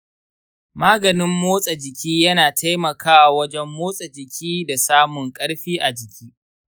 maganin motsa jiki yana taimakawa wajen motsa jiki da samun karfi a jiki.